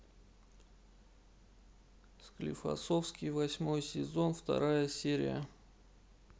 склифосовский восьмой сезон вторая серия